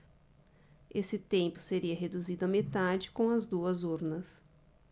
esse tempo seria reduzido à metade com as duas urnas